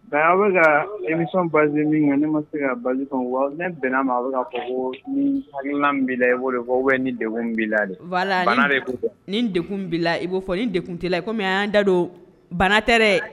Ba aw bɛ ka emi bali min ne ma se ka basi wa ne bɛnna ma la i b' fɔ bɛ ni deg' la ni degkun b i' fɔ nin degkun tɛla komi anan da don bana tɛ